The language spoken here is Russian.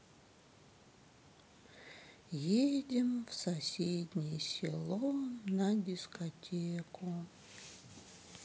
едем в соседнее село на дискотеку